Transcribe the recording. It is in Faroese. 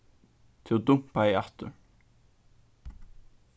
tú dumpaði aftur